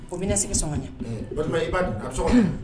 O ménace bɛ sɔn kaɲɛ. Batɔma i b'a don ?A bɛ sokɔnɔ wa.